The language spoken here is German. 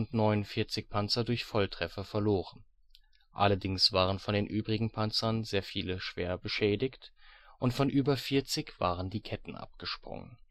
49 Panzer durch Volltreffer verloren. Allerdings waren von den übrigen Panzern sehr viele schwer beschädigt und von über 40 waren die Ketten abgesprungen